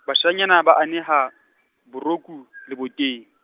bashanyana ba aneha, boroku, leboteng.